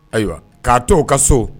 Ayiwa k'a to ka so